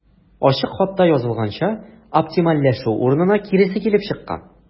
Ачык хатта язылганча, оптимальләшү урынына киресе килеп чыккан.